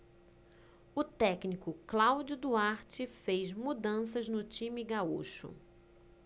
o técnico cláudio duarte fez mudanças no time gaúcho